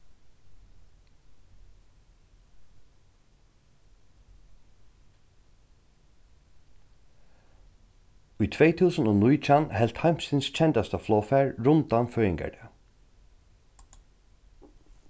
í tvey túsund og nítjan helt heimsins kendasta flogfar rundan føðingardag